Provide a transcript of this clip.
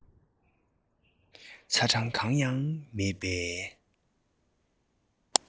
ཚ གྲང གང ཡང མེད པའི